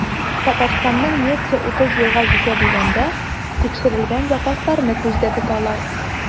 Татарстанның нефте 30 елга җитә дигәндә, тикшерелгән запасларны күздә тоталар.